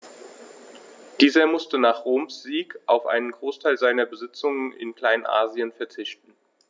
Dieser musste nach Roms Sieg auf einen Großteil seiner Besitzungen in Kleinasien verzichten.